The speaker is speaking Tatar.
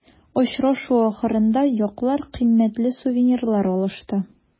Очрашу ахырында яклар кыйммәтле сувенирлар алышты.